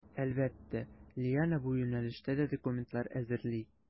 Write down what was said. Әлбәттә, Лиана бу юнәлештә дә документлар әзерли.